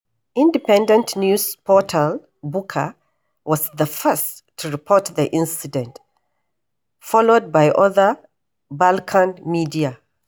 Independent news portal Buka was the first to report the incident, followed by other Balkan media.